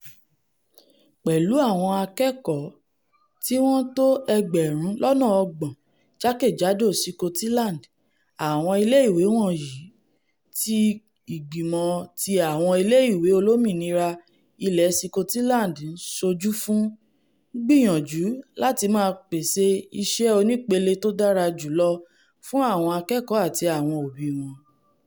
Pẹ̀lu àwọn akẹ́kọ̀ọ́ tíwọ́n tó ẹgbẹ̀rún lọ́nà ọgbọ̀n jákè-jádò Sikọtiland, àwọn ilé ìwé wọ̀nyí, ti igbìmọ̀ ti àwọn Ilé ìwé olómìnira Ilẹ Sikotiland ńṣojú fún. ńgbìyaǹjú láti máa pèsè iṣẹ́ onípele tódára jùlọ fún àwọn akẹ́kọ̀ọ́ àti àwọn òbí wọn.